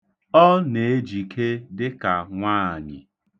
Ọ na-ejike dịka nwaanyị.